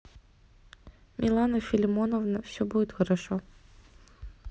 милана филимонова все будет хорошо